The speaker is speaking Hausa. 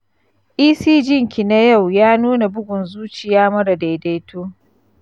ecg ɗinki na yau ya nuna bugun zuciya mara daidaito.